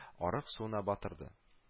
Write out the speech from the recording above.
Арык суына батырды